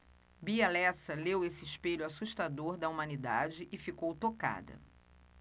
bia lessa leu esse espelho assustador da humanidade e ficou tocada